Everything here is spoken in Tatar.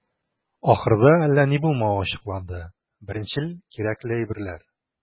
Ахырда, әллә ни булмавы ачыкланды - беренчел кирәкле әйберләр.